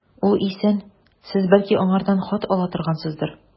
Ул исән, сез, бәлки, аңардан хат ала торгансыздыр.